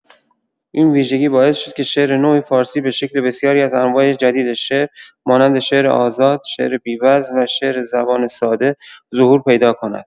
این ویژگی باعث شد که شعر نو فارسی به‌شکل بسیاری از انواع جدید شعر، مانند شعر آزاد، شعر بی‌وزن و شعر زبان ساده، ظهور پیدا کند.